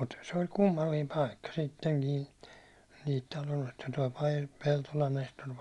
mutta se oli kummallinen paikka sittenkin niitä - tuo - Peltolan Nestori